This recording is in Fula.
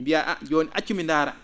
mbiyaa an jooni accu mi ndaara